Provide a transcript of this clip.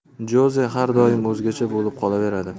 joze har doim o'zgacha bo'lib qolaveradi